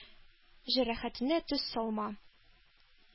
Җәрәхәтенә тоз салма“,